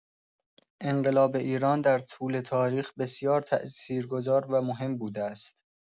انقلاب ایران در طول تاریخ بسیار تاثیرگذار و مهم بوده است.